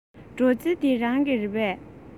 སྒྲོག རྩེ འདི རང གི རེད པས